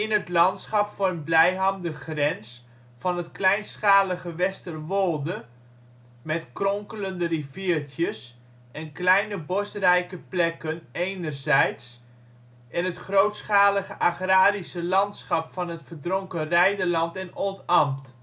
het landschap vormt Blijham de grens van het kleinschalige Westerwolde, met kronkelende riviertjes en kleine bosrijke plekken enerzijds en het grootschalige agrarische landschap van het verdronken Reiderland en Oldambt